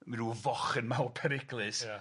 ma' ryw fochyn mawr periglus... Ia.